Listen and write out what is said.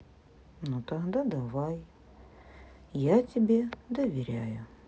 ну тогда давай я тебе доверяю